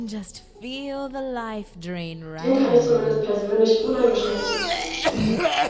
Dem kann ich zumindest persönlich uneingeschränkt zustimmen.